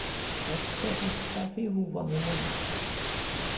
veðrið blíðkar fyri hugaðum monnum